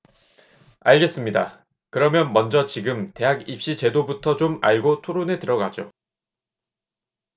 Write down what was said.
알겠습니다 그러면 먼저 지금 대학입시제도부터 좀 알고 토론에 들어가죠